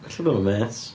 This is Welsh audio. Ella bod nhw'n mêts.